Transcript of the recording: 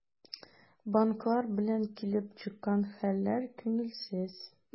Банклар белән килеп чыккан хәлләр күңелсез.